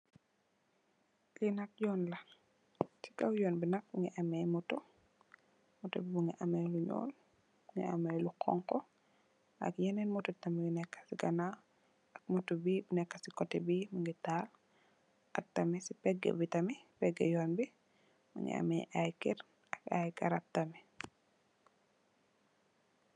Fi nak yoon la, ci kaw yoon bi nak mungi ameh moto. Moto bi mungi ameh lu ñuul, mungi ameh lu honku ak yenen moto tamit yu nekka ci ganaaw ak moto bi nekka ci kotè bi mungi tal ak tamit ci pègg bi tamit ci pèggi yoon bi mungi ameh ay kër ak ay garab tamit.